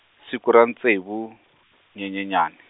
siku ra ntsevu, Nyenyenyani.